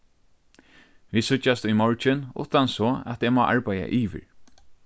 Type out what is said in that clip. vit síggjast í morgin uttan so at eg má arbeiða yvir